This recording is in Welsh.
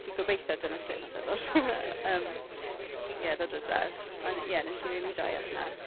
Fi'n gobeitho dyna sut wnaeth e ddod ie ddod ar draws. Ie, wnes i rili joio hynna.